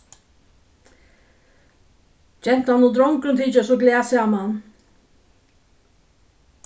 gentan og drongurin tykjast so glað saman